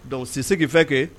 Dɔnku u si se fɛn kɛ